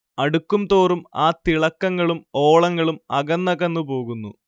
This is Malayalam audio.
അടുക്കുംതോറും ആ തിളക്കങ്ങളും ഓളങ്ങളും അകന്നകന്നു പോകുന്നു